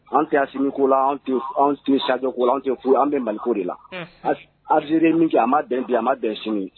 An tɛ siniko la an sjkouran tɛ foyi an bɛ maliko de la hali aziri min kɛ a ma a mad sini